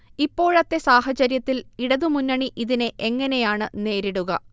ഇപ്പോഴത്തെ സാഹചര്യത്തിൽ ഇടതുമുന്നണി ഇതിനെ എങ്ങനെയാണ് നേരിടുക